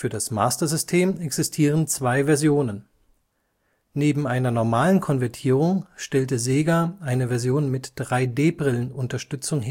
das Master System existieren zwei Versionen. Neben einer normalen Konvertierung stellte Sega eine Version mit 3D-Brillen-Unterstützung